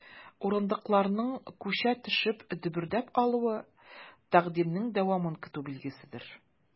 Урындыкларның, күчә төшеп, дөбердәп алуы— тәкъдимнең дәвамын көтү билгеседер.